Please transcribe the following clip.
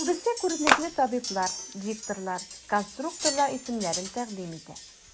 Күбесе күренекле табиблар, дикторлар, конструкторлар исемнәрен тәкъдим итә.